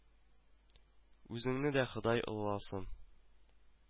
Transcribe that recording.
Үзеңне дә Ходай олыласын